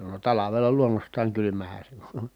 no talvella luonnostaan kylmähän se on